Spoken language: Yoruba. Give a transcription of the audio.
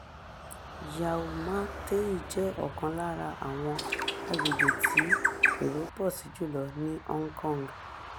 Yau Ma Tei jẹ́ ọ̀kan lára àwọn agbègbè tí èró pọ̀ sí jù lọ ní Hong Kong.